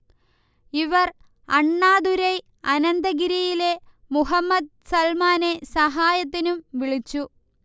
ഇവർ അണ്ണദുരൈ അനന്തഗിരിയിലെ മുഹമ്മദ് സൽമാനെ സഹായത്തിനും വിളിച്ചു